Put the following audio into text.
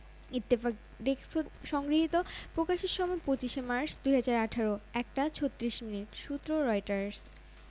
Ittefaq desk হতে সংগৃহীত প্রকাশের সময় ২৫মার্চ ২০১৮ ১ টা ৩৬ মিনিট সূত্র রয়টার্স